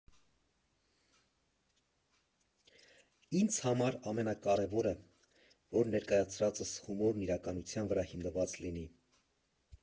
Ինձ համար կարևորը, որ ներկայացրածս հումորն իրականության վրա հիմնված լինի։